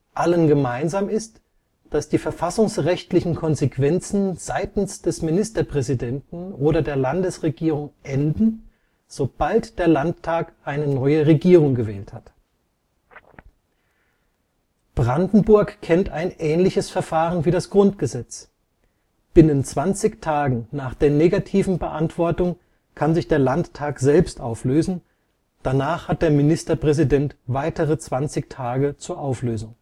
Allen gemeinsam ist, dass die verfassungsrechtlichen Konsequenzen seitens des Ministerpräsidenten oder der Landesregierung enden, sobald der Landtag eine neue Regierung gewählt hat. Brandenburg kennt ein ähnliches Verfahren wie das Grundgesetz: Binnen 20 Tagen nach der negativen Beantwortung kann sich der Landtag selbst auflösen, danach hat der Ministerpräsident weitere 20 Tage zur Auflösung